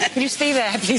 Can you stay there, please...